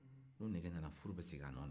ni nege nana furu bɛ segin a nɔ na